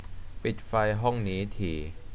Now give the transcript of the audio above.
ปิดไฟห้องนี้ที